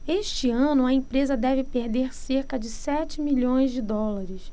este ano a empresa deve perder cerca de sete milhões de dólares